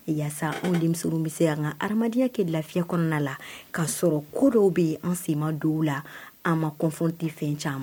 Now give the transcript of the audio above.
Walasasa anw de bɛ se an kan ha adamadenyaya kɛ lafiya kɔnɔna la k ka sɔrɔ ko dɔw bɛ an senma dɔw la an ma kɔn tɛ fɛn caman ma